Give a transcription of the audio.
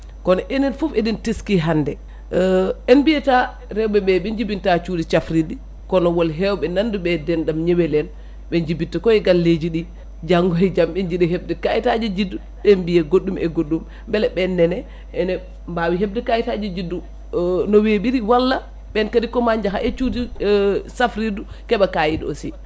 kono enen foof eɗen teski hande en mbiyata rewɓeɓe ɓe jibinta cuuɗi cafrirɗk kono won hewɓe nanduɓe denɗam ñewel en ɓe jibinta koye galleji ɗi janggo e jaam ɓe jiiɗa hebde kayitaji juddu ɓe mbiye goɗɗum e goɗɗum beele ɓennene ene mbawi hebde kayitaji juddu no weɓiri walla ɓen kadi koma jaaha e cuuɗi safrirdu keeɓa kayit aussi